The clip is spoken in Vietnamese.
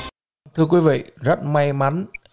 thưa quý vị rất may mắn